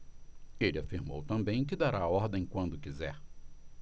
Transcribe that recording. ele afirmou também que dará a ordem quando quiser